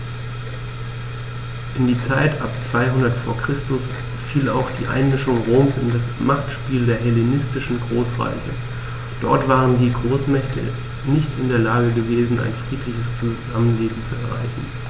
In die Zeit ab 200 v. Chr. fiel auch die Einmischung Roms in das Machtspiel der hellenistischen Großreiche: Dort waren die Großmächte nicht in der Lage gewesen, ein friedliches Zusammenleben zu erreichen.